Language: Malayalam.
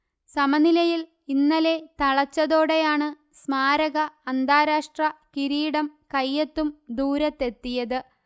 സമനിലയിൽ ഇന്നലെ തളച്ചതോടെയാണ് സ്മാരക അന്താരാഷ്ട്ര കിരീടം കൈയെത്തും ദൂരത്തെത്തിയത്